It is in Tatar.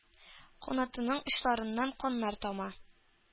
Канатының очларыннан каннар тама,